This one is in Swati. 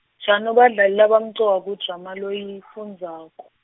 shano badlali labamcoka kudrama loyifundzako.